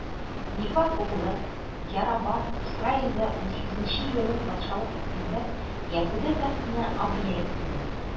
Небат углы Яробам Исраилдә унсигезенче елын патшалык иткәндә, Яһүдә тәхетенә Абия килде.